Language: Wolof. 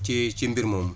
ci ci mbir moomu